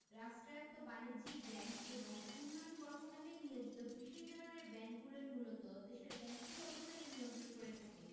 রাষ্ট্রায়ত্ত বাণিজ্যিক ব্যাংক এবং উন্নয়ন কর্মকান্ডে নিয়োজিত বিশেষ ধরনের ব্যাংকগুলোই মূলত দেশের ব্যাংকিং ব্যবস্থাকে নিয়ন্ত্রণ করে থাকে